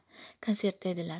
konsertda edilar